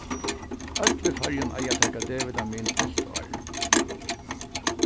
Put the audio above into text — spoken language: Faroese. øll í føroyum eiga at taka d-vitamin alt árið